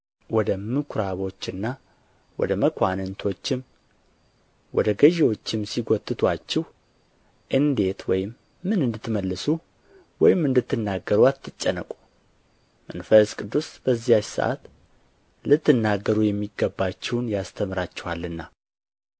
ወደ ምኵራቦችና ወደ መኳንንቶችም ወደ ገዢዎችም ሲጐትቱአችሁ እንዴት ወይም ምን እንድትመልሱ ወይም እንድትናገሩ አትጨነቁ መንፈስ ቅዱስ በዚያች ሰዓት ልትናገሩ የሚገባችሁን ያስተምራችኋልና